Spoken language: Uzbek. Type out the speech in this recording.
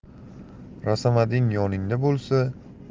rasamading yoningda bo'lsa